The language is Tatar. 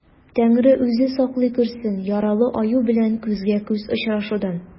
Тәңре үзе саклый күрсен яралы аю белән күзгә-күз очрашудан.